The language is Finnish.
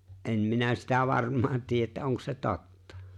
en minä sitä varmaan tiedä että onko se totta